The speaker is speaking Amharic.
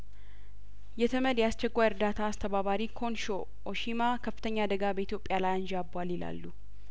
የተመድ የአስቸኳይእርዳታ አስተባባሪ ኮንሾ ኦሺማ ከፍተኛ አደጋ በኢትዮጵያ ላይ አንዣቧል ይለሉ